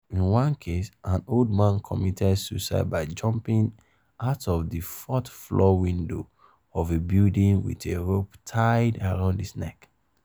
In one case, an old man committed suicide by jumping out of the fourth-floor window of a building with a rope tied around his neck.